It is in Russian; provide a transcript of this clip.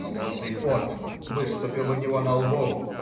Холодный пот выступил у него на лбу.